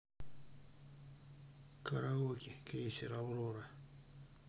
караоке крейсер аврора